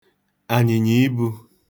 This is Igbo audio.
ànyị̀nyà ibū